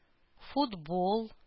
Футбол